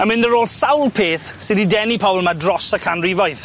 Yn mynd ar ôl sawl peth sy' di denu pobol 'ma dros y canrifoedd.